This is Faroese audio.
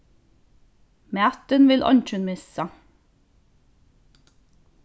matin vil eingin missa